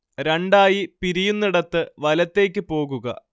രണ്ടായി പിരിയുന്നിടത്ത് വലത്തേക്ക് പോകുക